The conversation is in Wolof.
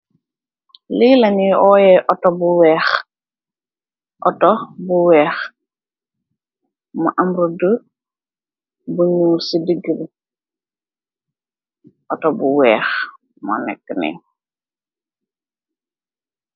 Lii la ñuy woowe, otto bu weex. Otto bu weex. Mu am rëddë bu weex si diggë bi. Otto bu weex, moo néékë nii.